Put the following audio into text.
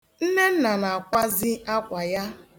Nnenna na-akwazi akwa ya.